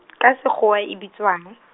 ka sekgoa e bitswang ?